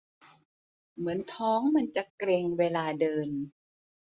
เหมือนท้องมันจะเกร็งเวลาเดิน